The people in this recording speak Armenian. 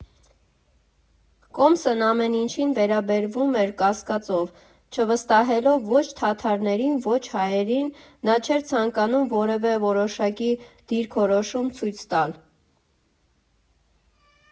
Կոմսն ամեն ինչին վերաբերվում էր կասկածով՝ չվստահելով ո՛չ թաթարներին, ո՛չ հայերին, նա չէր ցանկանում որևէ որոշակի դիրքորոշում ցույց տալ։